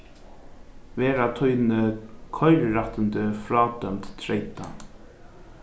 verða tíni koyrirættindi frádømd treytað